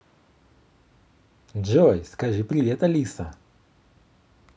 джой скажи привет алиса